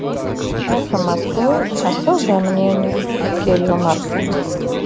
эхо москвы особое мнение кирилл мартынов